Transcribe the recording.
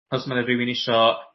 os ma' 'na rywun isio